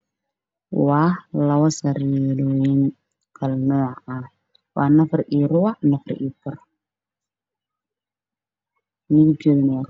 Waa labo sariirood oo kala nuuc ah waa nafar iyo rubac iyo nafar iyo bar.